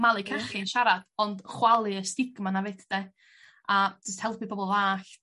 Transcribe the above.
Malu cachu'n siarad ond chwalu y stigma 'na fyd 'de a jyst helpu bobol ddallt